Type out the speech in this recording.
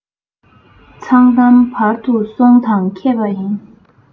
མཚང གཏམ བར དུ གསོང དང མཁས པ ཡིན